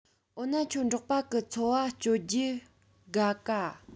འོ ན ཁྱོད འབྲོག པ གི འཚོ བ སྤྱོད རྒྱུའོ དགའ ག